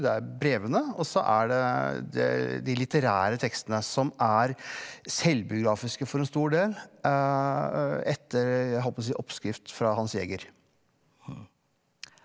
det er brevene og så er det det det de litterære tekstene som er selvbiografiske for en stor del etter jeg holdt på å si oppskrift fra Hans Jæger.